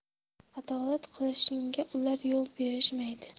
adolat qilishingga ular yo'l berishmaydi